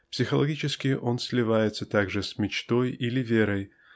психологически он сливается также с мечтой или верой